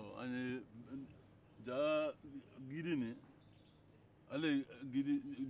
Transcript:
ja sirajirala in ale ye